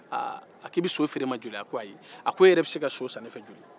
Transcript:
aaa a k'i bɛ so feere n man joli a ko ayi a ko e yɛrɛ bɛ se ka so san ne fɛjoli